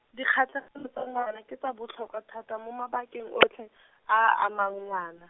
dikgatlhegelo tsa ngwana ke tsa botlhokwa thata mo mabakeng otlhe, a a amang ngwana.